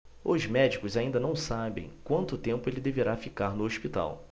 os médicos ainda não sabem quanto tempo ele deverá ficar no hospital